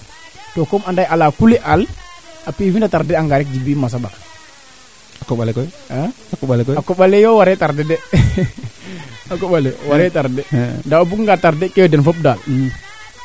weeke ga ndet kaa maana weeke ndef maana nu yoon xoxiq nuun fop mbandiko yo xanu njeg ndaa wiin we den njambateeru a yoon comme njambate yoon koy to xa qola xe manquer a de obliger a ngodaa xa qusa xe so xa qusa xeene de ngodaa koy